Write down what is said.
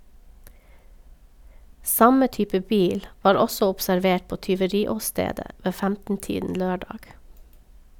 Samme type bil var også observert på tyveriåstedet ved 15-tiden lørdag.